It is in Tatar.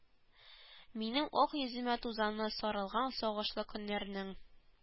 Минем ак йөземә тузаны сарылган сагышлы көннәрнең